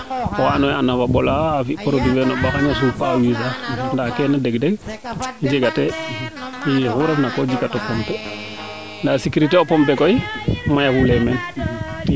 wa ando naye a nafa mbola a fi no produit fee no mbaxañ a suur fnda koy keene dege deg jega tee i oxu refna ko jega to pompe ndaa securité o pompe koy maya fule meen